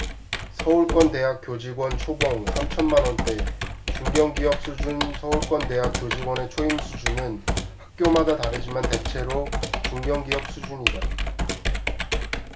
서울권 대학 교직원 초봉 삼 천만원대 중견기업 수준서울권 대학 교직원의 초임 수준은 학교마다 다르지만 대체로 중견기업 수준이다